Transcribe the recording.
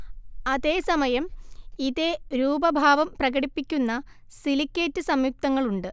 അതേ സമയം ഇതേ രൂപഭാവം പ്രകടിപ്പിക്കുന്ന സിലിക്കേറ്റ് സംയുക്തങ്ങളുണ്ട്